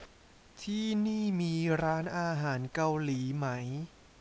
ที่นี่มีร้านอาหารเกาหลีไหม